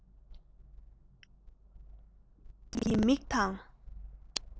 ལྟ འདོད ཀྱི མིག དང